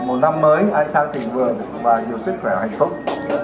một năm mới an khang thịnh vượng và nhiều sức khỏe hạnh phúc